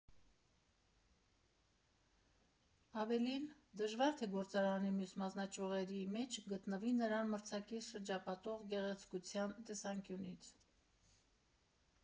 Ավելին, դժվար թե գործարանի մյուս մասնաճյուղերի մեջ գտնվի նրան մրցակից շրջապատող գեղեցկության տեսանկյունից։